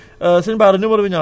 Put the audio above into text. mbaa yaa ngi am jàmm